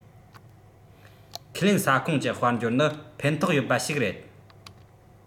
ཁས ལེན ས ཁོངས ཀྱི དཔལ འབྱོར ནི ཕན ཐོགས ཡོད པ ཞིག རེད